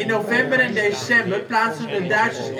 november en december plaatsten de Duitsers